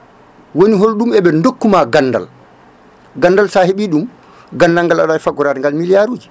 woni holɗum eɓe dokkuma gandal gandal sa heeɓi ɗum gandal ngal aɗa wawi faggorade ngal milliard uji